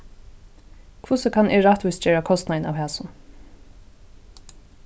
hvussu kann eg rættvísgera kostnaðin av hasum